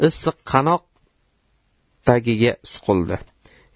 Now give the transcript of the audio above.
issiq qanot tagiga suqildi